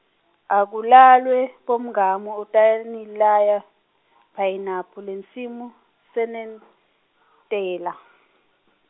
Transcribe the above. Akulalwe bomngamu utanilaya, phayinaphu lensimini, senen- tela.